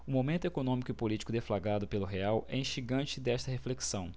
o momento econômico e político deflagrado pelo real é instigante desta reflexão